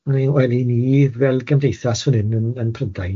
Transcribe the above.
Wel 'y ni fel gymdeithas fan hyn yn yn Prydain...